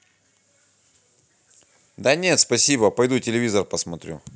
да нет спасибо пойду телевизор посмотрю